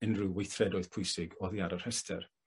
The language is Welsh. unrhyw weithredoedd pwysig oddi ar y rhester?